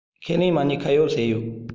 ཁས ལེན མ ཉེས ཁ གཡོག བྱས ཡོད